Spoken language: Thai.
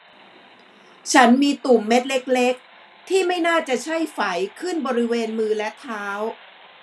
ฉันมีตุ่มเม็ดเล็กเล็กที่ไม่น่าจะใช่ไฝขึ้นบริเวณมือและเท้า